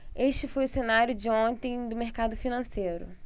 este foi o cenário de ontem do mercado financeiro